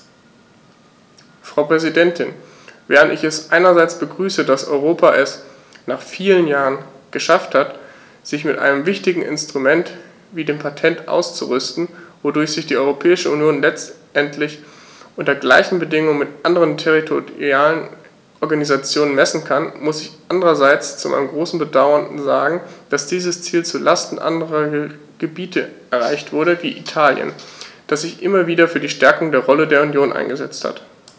Frau Präsidentin, während ich es einerseits begrüße, dass Europa es - nach vielen Jahren - geschafft hat, sich mit einem wichtigen Instrument wie dem Patent auszurüsten, wodurch sich die Europäische Union letztendlich unter gleichen Bedingungen mit anderen territorialen Organisationen messen kann, muss ich andererseits zu meinem großen Bedauern sagen, dass dieses Ziel zu Lasten anderer Gebiete erreicht wurde, wie Italien, das sich immer wieder für die Stärkung der Rolle der Union eingesetzt hat.